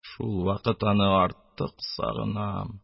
Шул вакыт аны артык сагынам.